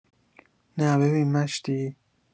نه ببین مشتی